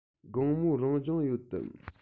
དགོང མོ རང སྦྱོང ཡོད དམ